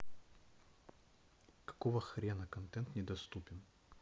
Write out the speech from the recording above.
какого хрена контент недоступен